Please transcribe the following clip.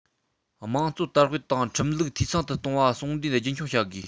དམངས གཙོ དར སྤེལ དང ཁྲིམས ལུགས འཐུས ཚང དུ གཏོང བ ཟུང འབྲེལ རྒྱུན འཁྱོངས བྱ དགོས